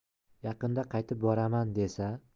yaqinda qaytib boraman desa